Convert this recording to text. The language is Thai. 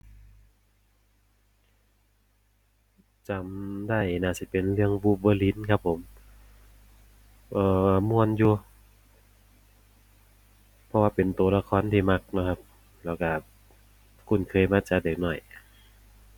จำได้น่าสิเป็นเรื่อง Wolverine ครับผม เอ่อ ม่วนอยู่ เพราะว่าเป็นตัวละครที่มักเนาะครับแล้วตัวคุ้นเคยมาจากเด็กน้อย